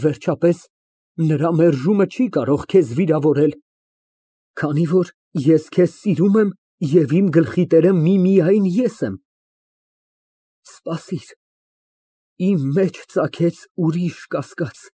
Վերջապես նրա մերժումը չի կարող քեզ վիրավորել, քանի որ ես սիրում եմ քեզ և իմ գլխի տերը միմիյայն ես եմ։ (Դադար) Սպասիր, իմ մեջ ծագեց ուրիշ կասկած։